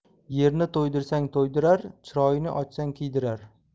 yerni to'ydirsang to'ydirar chiroyini ochsang kiydirar